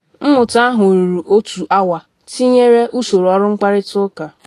Mmụta ahụ ruru otu awa tinyere usoro ọrụ mkparịta ụka.